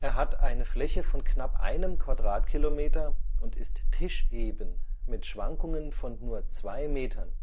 hat einer Fläche von knapp einem Quadratkilometer und ist tischeben, mit Schwankungen von nur zwei Metern